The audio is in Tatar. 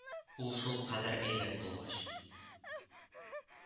Ул шул кадәр әйбәт булгач